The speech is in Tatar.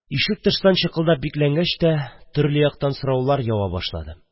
Ишек тыштан чыкылдап бикләнгәч тә, төрле яктан сораулар ява башлады.